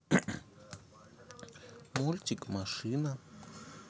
мультик машина